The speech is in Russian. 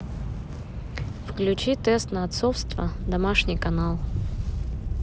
включи тест на отцовство домашний канал